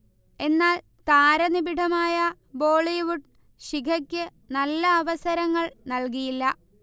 എന്നാൽ, താരനിബിഢമായ ബോളിവുഡ് ശിഖയ്ക്ക് നല്ല അവസരങ്ങൾ നൽകിയില്ല